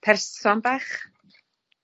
person bach